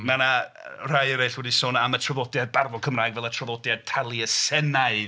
Mae 'na rhai eraill wedi sôn am y traddodiad barddol Cymraeg fel y traddodiad taliesenaidd.